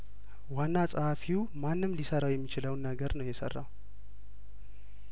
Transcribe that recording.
ዋና ጸሀፊው ማንም ሊሰራው የሚችለውን ነገር ነው የሰራው